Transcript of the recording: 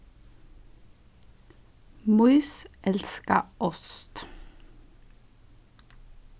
mýs elska ost